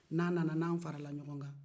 n'an nana n'an farala ɲɔgɔn kan